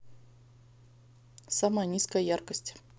самая низкая яркость